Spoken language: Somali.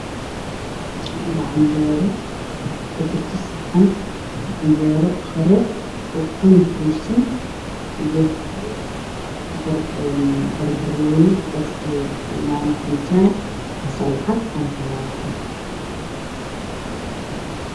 Tani waa cajero kujirto saxan cajero qare ukun berbaroni basal yayo sebensen asalato